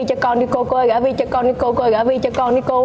cho con đi cô cô gả uyên cho con đi cô cô ơi gả uyên cho con đi cô